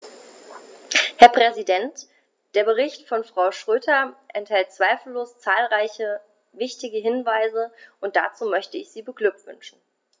Herr Präsident, der Bericht von Frau Schroedter enthält zweifellos zahlreiche wichtige Hinweise, und dazu möchte ich sie beglückwünschen.